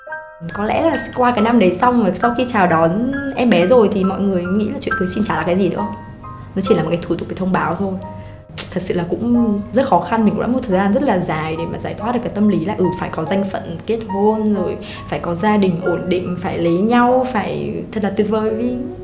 có lẽ là qua cái năm đấy xong rồi sau khi chào đón em bé rồi thì mọi người nghĩ tới chuyện cưới xin chả là cái gì nữa đó chỉ làm cái thủ tục để thông báo thôi thật sự là cũng rất khó khăn bẵm một thời gian rất là dài để giải thoát được tâm lý lại ừ phải có danh phận kết hôn rồi phải có gia đình ổn định phải lấy nhau phải thật là tuyệt vời vì